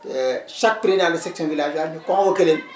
chaque président de section villageoise ñu convoqué leen